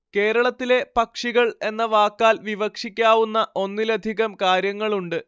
കേരളത്തിലെ പക്ഷികള്‍ എന്ന വാക്കാല്‍ വിവക്ഷിക്കാവുന്ന ഒന്നിലധികം കാര്യങ്ങളുണ്ട്